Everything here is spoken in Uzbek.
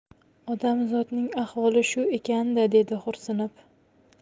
odamzodning ahvoli shu ekan da dedi xo'rsinib